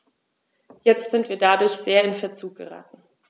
Jetzt sind wir dadurch sehr in Verzug geraten.